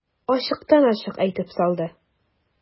Ачыктан-ачык әйтеп салды.